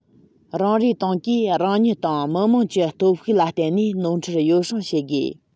རང རེའི ཏང གིས རང ཉིད དང མི དམངས ཀྱི སྟོབས ཤུགས ལ བརྟེན ནས ནོར འཁྲུལ ཡོ བསྲང བྱེད ཐུབ